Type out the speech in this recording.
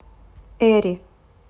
эри